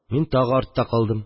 Мин тагы артта калдым